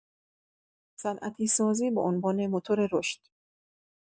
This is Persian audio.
صنعتی‌سازی به عنوان موتور رشد